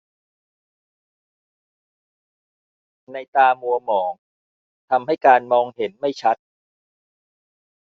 นัยน์ตามัวหมองทำให้การมองเห็นไม่ชัด